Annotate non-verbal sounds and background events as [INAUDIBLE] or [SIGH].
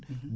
[HESITATION] [HESITATION]